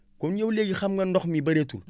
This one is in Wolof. comme yow léegi xam nga ndox mi bëreetul